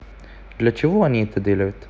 для чего они это делают